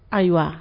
Ayiwa